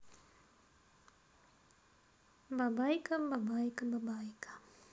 бабайка бабайка бабайка